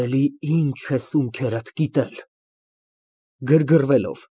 Էլի ի՞նչ ես ունքերդ կիտել։ (Գրգռվելով)